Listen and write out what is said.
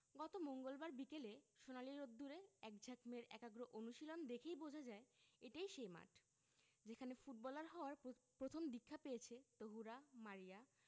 গত মঙ্গলবার বিকেলে সোনালি রোদ্দুরে একঝাঁক মেয়ের একাগ্র অনুশীলন দেখেই বোঝা যায় এটাই সেই মাঠ যেখানে ফুটবলার হওয়ার প্র প্রথম দীক্ষা পেয়েছে তহুরা মারিয়া